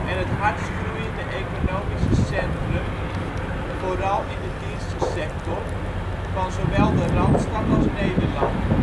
en het hardst groeiende economische centrum - vooral in de dienstensector - van zowel de Randstad als Nederland